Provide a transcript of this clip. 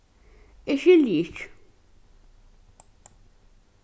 eg skilji ikki